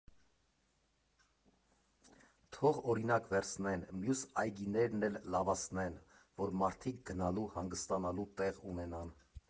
Թող օրինակ վերցնեն, մյուս այգիներն էլ լավացնեն, որ մարդիկ գնալու, հանգստանալու տեղ ունենան։